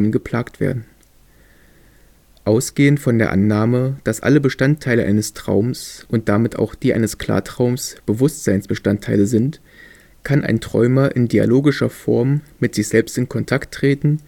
geplagt werden. Ausgehend von der Annahme, dass alle Bestandteile eines Traums und damit auch die eines Klartraums Bewusstseinsbestandteile sind, kann ein Träumer in dialogischer Form mit sich selbst in Kontakt treten